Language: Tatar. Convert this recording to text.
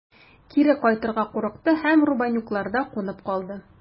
Кире кайтырга курыкты һәм Рубанюкларда кунып калды.